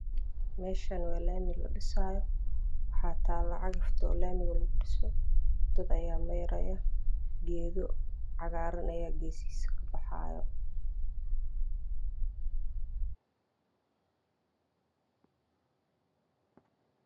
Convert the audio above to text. Meeshan waa lami ladhisayo waxa talo cagafta lamiga lagu dhiso dad ayaa meerayo geedo cagaran ayaa geesihiisa ka baxayo